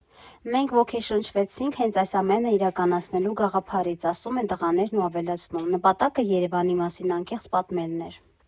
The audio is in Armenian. Մենք ոգեշնչվեցինք հենց այս ամենը իրականացնելու գաղափարից,֊ ասում են տղաներն ու ավելացնում,֊ Նպատակը Երևանի մասին անկեղծ պատմելն էր։